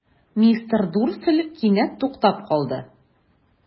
Мистер Дурсль кинәт туктап калды.